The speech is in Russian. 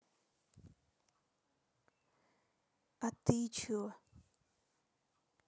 а ты че